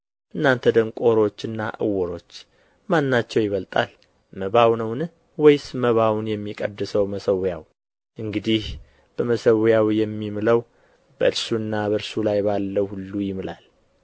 እናንተ ደንቆሮዎችና ዕውሮች ማናቸው ይበልጣል መባው ነውን ወይስ መባውን የሚቀድሰው መሠዊያው እንግዲህ በመሠዊያው የሚምለው በእርሱና በእርሱ ላይ ባለው ሁሉ ይምላል